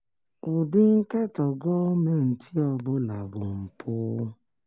Ụdị nkatọ gọọmentị ọ bụla bụ mpụ